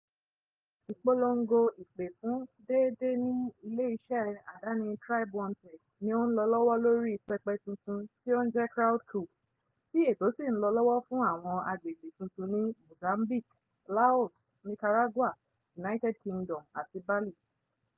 Ìpolongo ìpè fún déédé ní ilé iṣẹ́ àdáni TribeWanted ni ó ń lọ lọ́wọ́ lórí pẹpẹ tuntun tí ó ń jẹ́ Crowdcube, tí ètò sì ń lọ lọ́wọ́ fún àwọn àgbègbè tuntun ní Mozambique, Laos, Nicaragua, United Kingdom àti Bali.